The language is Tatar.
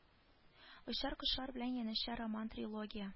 Очар кошлар белән янәшә роман-трилогия